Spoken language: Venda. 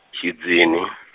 Tshidzini.